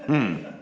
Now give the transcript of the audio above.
ja.